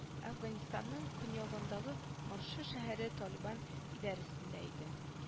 Әфганстанның көньягындагы маржа шәһәре талибан идарәсендә иде